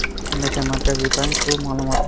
ungacha markaziy bank bu